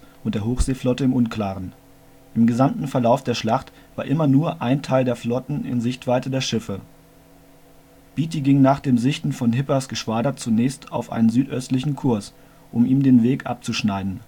und der Hochseeflotte im unklaren. Im gesamten Verlauf der Schlacht war immer nur ein Teil der Flotten in Sichtweite der Schiffe. Beatty ging nach dem Sichten von Hippers Geschwader zunächst auf einen südöstlichen Kurs, um ihm den Weg abzuschneiden